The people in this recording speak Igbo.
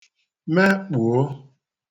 mekpùo